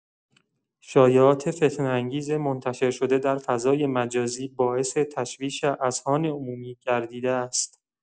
شایعات فتنه‌انگیز منتشر شده در فضای مجازی باعث تشویش اذهان عمومی گردیده است.